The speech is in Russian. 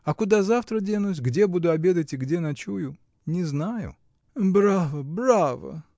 А куда завтра денусь, где буду обедать и где ночую — не знаю! — Браво, браво!